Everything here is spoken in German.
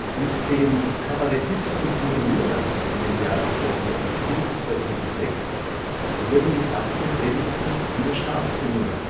Mit dem Kabarettisten Bruno Jonas (2004 – 2006) wurden die Fastenpredigten wieder scharfzüngiger